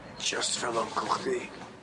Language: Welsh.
Jyst fel wncwl chdi.